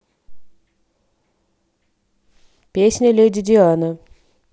песня леди диана